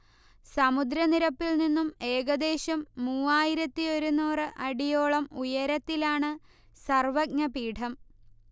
സമുദ്രനിരപ്പിൽ നിന്നും ഏകദേശം മൂവായിരത്തി ഒരുനൂറ് അടിയോളം ഉയരത്തിലാണ് സർവ്വജ്ഞപീഠം